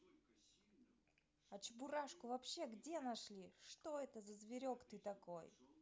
а чебурашку вообще где нашли что это за зверек ты такой